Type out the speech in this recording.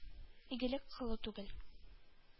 Игелек кылу түгел,